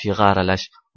yig'i aralash